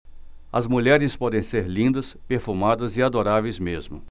as mulheres podem ser lindas perfumadas e adoráveis mesmo